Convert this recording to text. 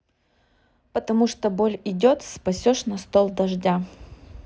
потому что боль идет спасешь на стол дождя